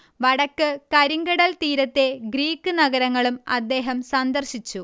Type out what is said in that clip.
വടക്ക് കരിങ്കടൽ തീരത്തെ ഗ്രീക്ക് നഗരങ്ങളും അദ്ദേഹം സന്ദർശിച്ചു